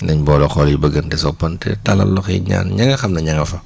nañ boole xol yi bëggante soppante tàllal loxo yi ñaan ña nga xam ne ña nga fa